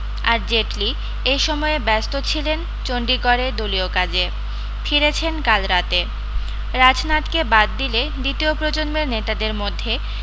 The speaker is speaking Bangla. আর জেটলি এই সময়ে ব্যস্ত ছিলেন চণডীগড়ে দলীয় কাজে ফিরেছেন কাল রাতে রাজনাথকে বাদ দিলে দ্বিতীয় প্রজন্মের নেতাদের মধ্যে